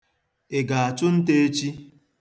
Ị ga-achụ nta echi?